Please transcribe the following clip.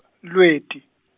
Lweti.